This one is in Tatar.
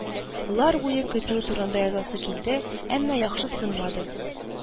Лар буе көтүе турында язасы килде, әмма яхшысынмады